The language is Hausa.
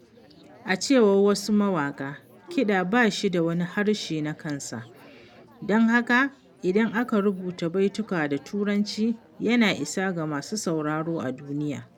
A cewar wasu mawaƙa, kiɗa ba shi da wani harshe na kansa, don haka idan aka rubuta baitukan da Turanci, yana isa ga masu sauraro na duniya.